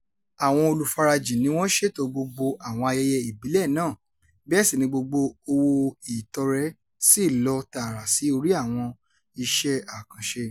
Àwọn olùfarajìn ni wọ́n ṣẹ̀tò gbogbo àwọn ayẹyẹ ìbílẹ̀ náà bẹ́ẹ̀ sì ni gbogbo owó ìtọrẹ sí lọ tààrà sí orí àwọn iṣẹ́ àkànṣe.